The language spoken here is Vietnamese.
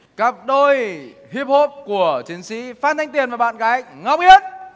cặp đôi híp hốp của chiến sĩ phan thanh tuyền và bạn gái ngọc yến